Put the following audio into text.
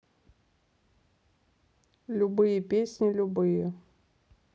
любые песни любые